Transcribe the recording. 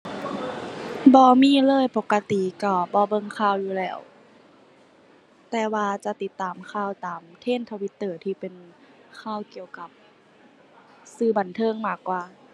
บ่มีเลย ปกติก็บ่เบิ่งข่าวอยู่แล้ว แต่ว่าจะติดตามข่าวตาม trend Twitter ที่เป็นข่าวเกี่ยวกับสื่อบันเทิงมากกว่า